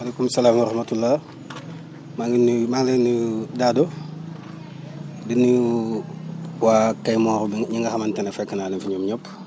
maaleykum salaam wa rahmatulah maa ngi nuyu maa ngi lay nuyu Dado di nuyu waa Kayemor ñi nga xamante ne fekk naa leen fi ñoom ñëpp